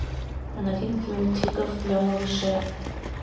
новинки мультиков для малышей